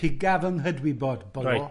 Pigaf yng nghydwybod, bolo. Reit.